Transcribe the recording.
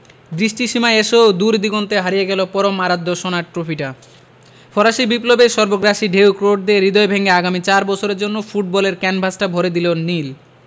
দৃষ্টিসীমায় এসেও দূরদিগন্তে হারিয়ে গেল পরম আরাধ্য সোনার ট্রফিটা ফরাসি বিপ্লবের সর্বগ্রাসী ঢেউ ক্রোটদের হৃদয় ভেঙে আগামী চার বছরের জন্য ফুটবলের ক্যানভাসটা ভরে দিল নীল